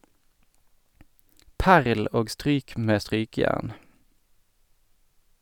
Perl, og stryk med strykejern.